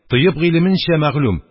Тыйб1 гыйлеменчә мәгълүм: